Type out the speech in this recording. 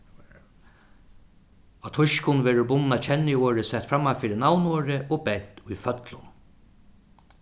á týskum verður bundna kenniorðið sett frammanfyri navnorðið og bent í føllum